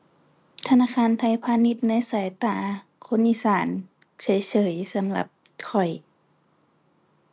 ธนาคารไทยพาณิชย์ในสายตาคนอีสาน เฉยเฉยสำหรับข้อย